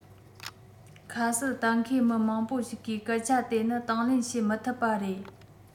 ཁ གསལ གཏན འཁེལ མི མང པོ ཞིག གིས སྐད ཆ དེ ནི དང ལེན བྱེད མི ཐུབ པ རེད